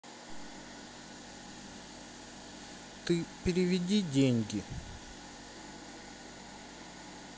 ты переведи деньги